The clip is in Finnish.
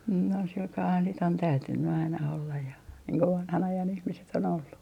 - on sillä kalellahan sitten on täytynyt aina olla ja niin kuin vanhan ajan ihmiset on ollut